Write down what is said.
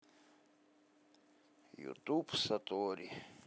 ютуб сатори